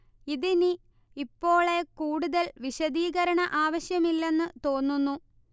ഇതിനി ഇപ്പോളെ കൂടുതൽ വിശദീകരണ ആവശ്യമില്ലെന്ന് തോന്നുന്നു